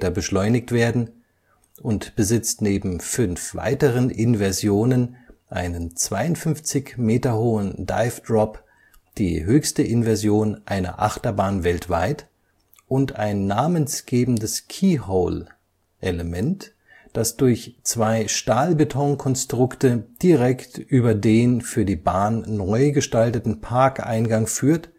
beschleunigt werden, und besitzt neben fünf weiteren Inversionen einen 52 Meter hohen Dive Drop, die höchste Inversion einer Achterbahn weltweit, und ein namensgebendes Keyhole-Element („ Schlüsselloch “- Element), das durch zwei Stahl-Beton-Konstrukte direkt über den für die Bahn neu gestalteten Parkeingang führt